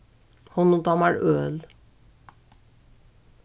honum dámar øl